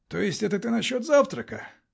-- То есть это ты насчет завтрака?